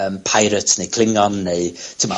yn pirate neu Klingon neu, t'mo'...